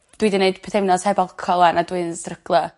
dwi 'di neud pythefnos heb alcohol 'en a dwi'n stryglo.